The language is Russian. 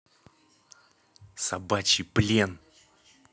собачий плен